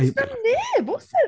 Does 'na neb oes e?